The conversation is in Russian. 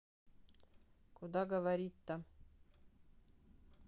куда говорить то